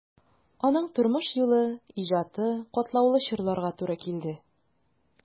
Аның тормыш юлы, иҗаты катлаулы чорларга туры килде.